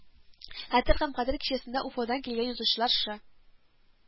Хәтер һәм кадер кичәсендә Уфадан килгән язучылар Шэ